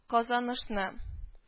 Казанышны